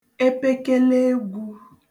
epekeleegwū